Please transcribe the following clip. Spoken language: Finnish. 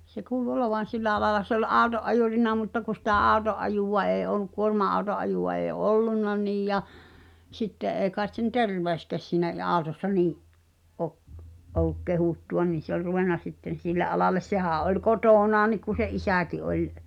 se kuului olevan sillä alalla se oli auton ajurina mutta kun sitä auton ajoa ei ollut kuorma-auton ajoa ei ollut niin ja sitten ei kai sen terveyskään siinä - autossa niin - ollut kehuttua niin se oli ruvennut sitten sille alalle sehän oli kotonaankin kun sen isäkin oli